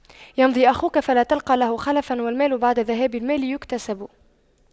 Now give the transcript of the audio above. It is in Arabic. يمضي أخوك فلا تلقى له خلفا والمال بعد ذهاب المال يكتسب